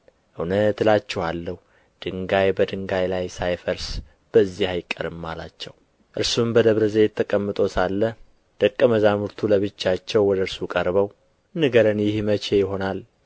እውነት እላችኋለሁ ድንጋይ በድንጋይ ላይ ሳይፈርስ በዚህ አይቀርም አላቸው እርሱም በደብረ ዘይት ተቀምጦ ሳለ ደቀ መዛሙርቱ ለብቻቸው ወደ እርሱ ቀርበው ንገረን ይህ መቼ ይሆናል